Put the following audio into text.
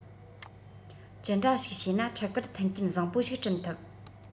ཅི འདྲ ཞིག བྱས ན ཕྲུ གུར མཐུན རྐྱེན བཟང པོ ཞིག བསྐྲུན ཐུབ